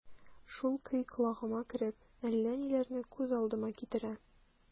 Шул көй колагыма кереп, әллә ниләрне күз алдыма китерә...